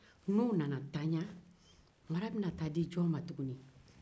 n'o nana ntaya mara bɛ taa di jɔn ma